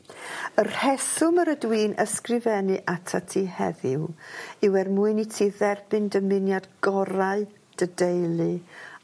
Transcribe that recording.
y rheswm yr ydw i'n ysgrifennu atat ti heddiw yw er mwyn i ti dderbyn dymuniad gorau dy deulu